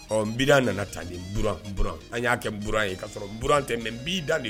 Ɔ bi nana tan ni b b an y'a kɛ bura ye ka sɔrɔ buratɛ mɛ bida de